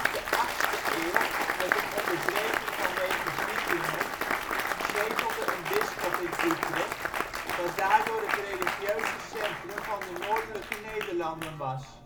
de achtste eeuw, met een onderbreking vanwege Vikingen, zetelde een bisschop in Utrecht, dat daardoor het religieuze centrum van de Noordelijke Nederlanden was